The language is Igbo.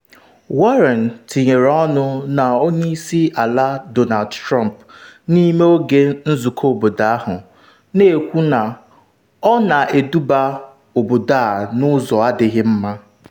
Warren tinyere ọnụ na Onye Isi Ala Donald Trump n’ime oge nzụkọ obodo ahụ, na-ekwu na ọ “na-eduba obodo a n’ụzọ adịghị mma.